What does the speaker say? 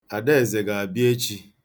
Adaeze ga-abịa echi.